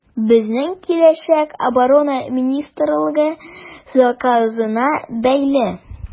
Безнең киләчәк Оборона министрлыгы заказына бәйле.